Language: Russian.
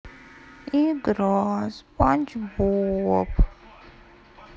игра спанч боб